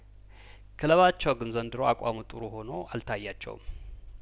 ክለባቸው ግን ዘንድሮ አቋሙ ጥሩ ሆኖ አልታያቸውም